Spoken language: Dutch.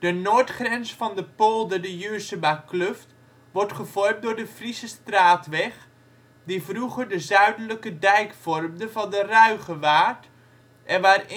noordgrens van de Polder de Juursemakluft wordt gevormd door de Friesestraatweg, die vroeger de zuidelijke dijk vormde van de Ruigewaard en waarin